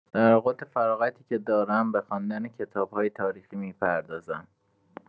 در اوقات فراغتی که دارم، به خواندن کتاب‌های تاریخی می‌پردازم.